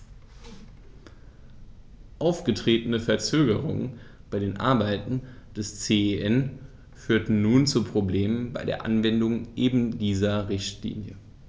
Aufgetretene Verzögerungen bei den Arbeiten des CEN führen nun zu Problemen bei der Anwendung eben dieser Richtlinie.